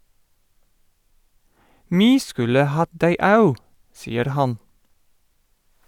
"Mi skulle hatt dei au", sier han.